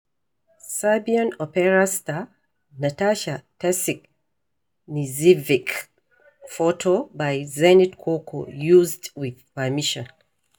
Serbian opera star Nataša Tasić Knežević, photo by Dzenet Koko, used with permission.